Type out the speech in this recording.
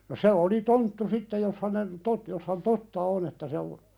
no se oli tonttu sitten jos hänen totta jos hän totta on että se on